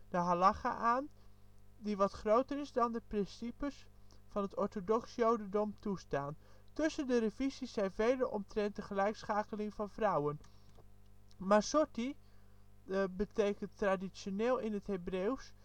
de halacha) aan die wat groter is dan de principes van het orthodox jodendom toestaan. Tussen de revisies zijn velen omtrent de gelijkschakeling van vrouwen. Masorti betekent traditioneel in het Hebreeuws